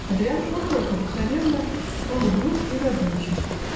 Адриян Прохоров обыкновенно был угрюм и задумчив.